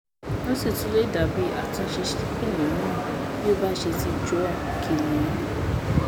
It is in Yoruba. O sì tún lè dábàá àtúnṣe sí kìnìún náà – bí ó bá sì ti tún jọ kìnìún.